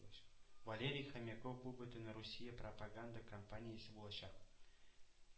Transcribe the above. Валерий Хомяков: “Бу Бөтенрусия пропаганда кампаниясе булачак